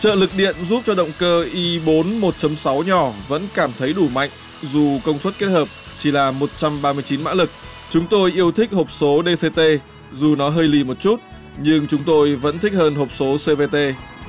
trợ lực điện giúp cho động cơ i bốn một chấm sáu nhỏ vẫn cảm thấy đủ mạnh dù công suất kết hợp chỉ là một trăm ba mươi chín mã lực chúng tôi yêu thích hộp số đê xê tê dù nó hơi lì một chút nhưng chúng tôi vẫn thích hơn hộp số xê vê tê